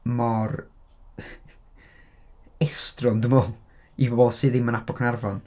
..mor estron dwi'n meddwl, i bobl sydd ddim yn 'nabod Caernarfon...